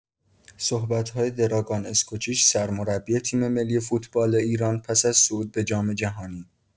صحبت‌های دراگان اسکوچیچ سرمربی تیم‌ملی فوتبال ایران پس‌از صعود به جام‌جهانی